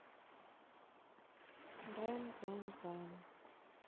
рам зам зам